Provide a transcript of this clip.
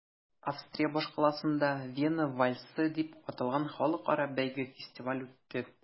Австрия башкаласында “Вена вальсы” дип аталган халыкара бәйге-фестиваль үтте.